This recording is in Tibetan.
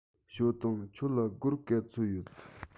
ཞའོ ཏུང ཁྱོད ལ སྒོར ག ཚོད ཡོད